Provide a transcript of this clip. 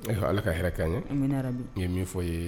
Ala ka hɛrɛ' ye ye min fɔ ye